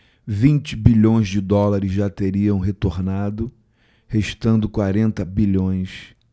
vinte bilhões de dólares já teriam retornado restando quarenta bilhões